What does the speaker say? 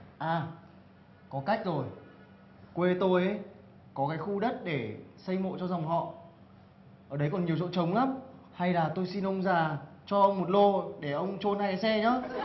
à có cách rồi quê tôi ấy có cái khu đất để xây mộ cho dòng họ ở đấy còn nhiều chỗ trống lắm hay là tôi xin ông già cho ông lô để ông chôn cái xe nhé